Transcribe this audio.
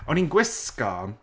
o'n i'n gwisgo...